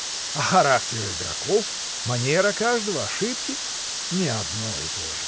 А характеры игроков, манера каждого, ошибки?. Не одно и то же!